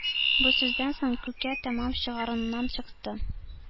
Бу сүздән соң Күке тәмам чыгарыннан чыкты.